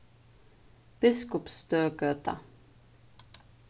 biskupsstøðgøta